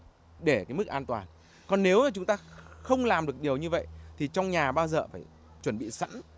để cái mức an toàn còn nếu chúng ta không làm được điều như vậy thì trong nhà bao giờ cũng phải chuẩn bị sẵn